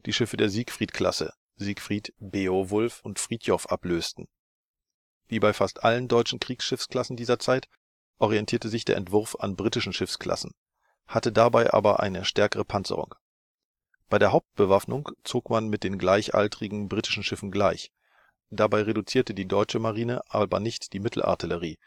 Schiffe der Siegfried-Klasse (SMS Siegfried, SMS Beowulf und SMS Frithjof) ablösten. Wie bei fast allen deutschen Kriegsschiffsklassen dieser Zeit orientierte sich der Entwurf an britischen Schiffsklassen, hatte dabei aber eine stärkere Panzerung. Bei der Hauptbewaffnung zog man mit den gleichaltrigen britischen Schiffen gleich. Dabei reduzierte die Deutsche Marine aber nicht die Mittelartillerie